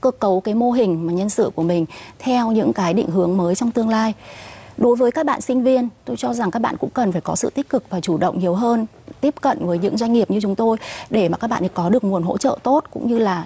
cơ cấu cái mô hình mà nhân sự của mình theo những cái định hướng mới trong tương lai đối với các bạn sinh viên tôi cho rằng các bạn cũng cần phải có sự tích cực và chủ động nhiều hơn tiếp cận với những doanh nghiệp như chúng tôi để mà các bạn ấy có được nguồn hỗ trợ tốt cũng như là